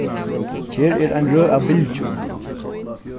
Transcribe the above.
her er ein røð av bylgjum